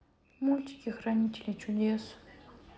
мультики хранители чудес